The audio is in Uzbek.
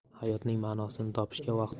hayotning ma'nosini topishga vaqt